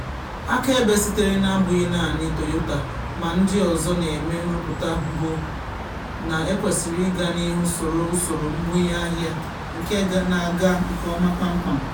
“Akaebe sitere n’abụghị naanị Toyota ma ndị ọzọ na-eme nrụpụta bụ na ekwesịrị ịga n’ihu soro usoro mbunye ahịa nke na-aga nke ọma kpamkpam.”